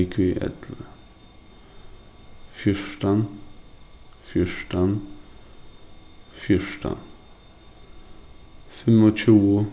ligvið ellivu fjúrtan fjúrtan fjúrtan fimmogtjúgu